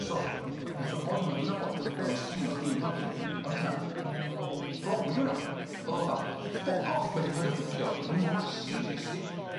So nath y boi 'ma dwi'n nabod dangos llun o chdi'n papur o'n i 'tha brow fi 'di wnna o'dd o 'tha ffyc off mate paid â ffwcio o'n i 'tha na seriously.